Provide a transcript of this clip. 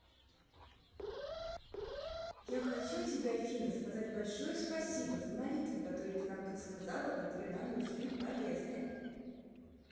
я хочу тебе афина сказать большое спасибо за молитвы которые ты нам подсказала которые нам нужны полезны